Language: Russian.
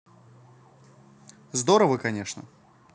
здорово конечно